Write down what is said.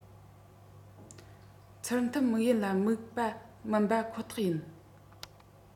ཚུལ མཐུན དམིགས ཡུལ ལ དམིགས པ མིན པར ཁོ ཐག ཡིན